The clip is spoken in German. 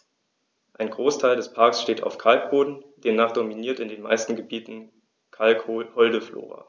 Ein Großteil des Parks steht auf Kalkboden, demnach dominiert in den meisten Gebieten kalkholde Flora.